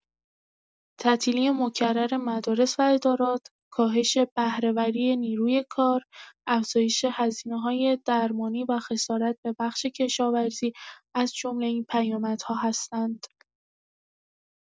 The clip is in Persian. تعطیلی مکرر مدارس و ادارات، کاهش بهره‌وری نیروی کار، افزایش هزینه‌های درمانی و خسارت به بخش کشاورزی از جمله این پیامدها هستند.